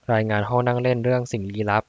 รายงานห้องนั่งเล่นเรื่องสิ่งลี้ลับ